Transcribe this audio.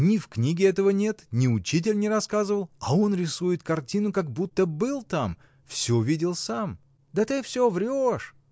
Ни в книге этого нет, ни учитель не рассказывал, а он рисует картину, как будто был там, всё видел сам. — Да ты всё врешь!